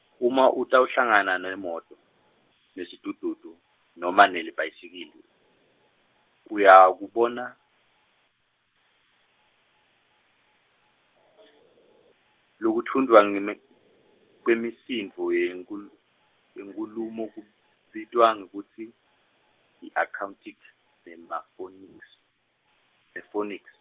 uma utawuhlangana nemoto, nesidududu, noma nelibhayisikili, uyakubona , lokufundvwa ngemi, kwemisindvo yenkhul- yenkhulumo kubitwa ngekutsi, yi-accoutic nembafonics-, nephonics-.